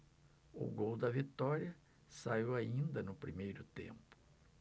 o gol da vitória saiu ainda no primeiro tempo